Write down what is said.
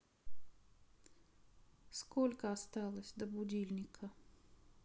сколько осталось до будильника